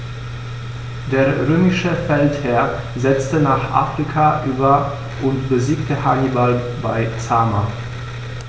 Der römische Feldherr setzte nach Afrika über und besiegte Hannibal bei Zama.